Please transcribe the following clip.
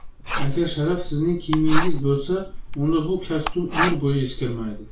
agar sharaf sizning kiyimingiz bo'lsa unda bu kostyum umr bo'yi eskirmaydi